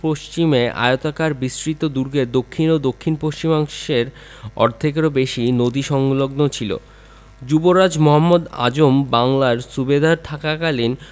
পশ্চিমে আয়তাকারে বিস্তৃত দুর্গের দক্ষিণ ও দক্ষিণপশ্চিম অংশের অর্ধেকেরও বেশি নদী সংলগ্ন ছিল' যুবরাজ মুহম্মদ আজম বাংলার সুবাহদার থাকাকালীন